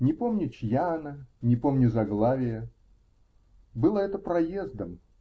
Не помню, чья она, не помню заглавия. Было это проездом.